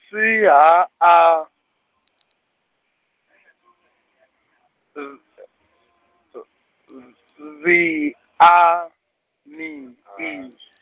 C H A , v- v- v- vi A ni I S.